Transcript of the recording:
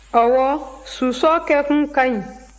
ɔwɔ susɔn kɛkun ka ɲi